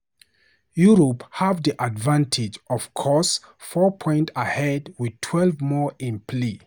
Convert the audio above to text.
Europe have the advantage, of course, four points ahead with twelve more in play.